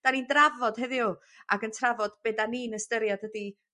'dan ni'n drafod heddiw ac yn trafod be' 'dan ni'n ystyriad ydi